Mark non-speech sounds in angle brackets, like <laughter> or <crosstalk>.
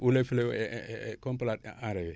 ou le fleuve est <hesitation> complate et enrayé